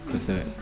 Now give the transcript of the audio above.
Kosɛbɛ